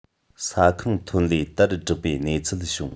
ས ཁང ཐོན ལས དར དྲགས པའི གནས ཚུལ བྱུང